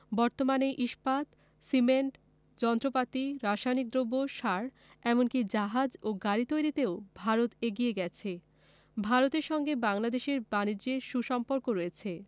বর্তমানে ইস্পাত সিমেন্ট যন্ত্রপাতি রাসায়নিক দ্রব্য সার এমন কি জাহাজ ও গাড়ি তৈরিতেও ভারত এগিয়ে গেছে ভারতের সঙ্গে বাংলাদেশের বানিজ্যে সু সম্পর্ক রয়েছে